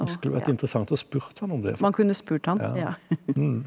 det skulle vært interessant og spurt han om det ja ja.